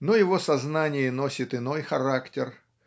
Но его сознание носит иной характер.